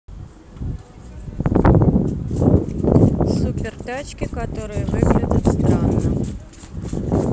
супер тачки которые выглядят странно